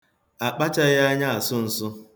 Akpachaghị anya asụ nsụ.